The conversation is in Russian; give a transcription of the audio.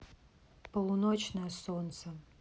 полуночное солнце